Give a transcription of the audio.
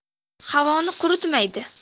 havoni quritmaydi